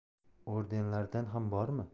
ordenlardan ham bormi